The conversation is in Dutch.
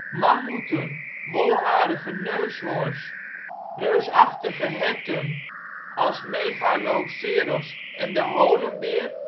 mammoeten, wolharige neushoorns, reusachtige herten als Megaloceros en de holenbeer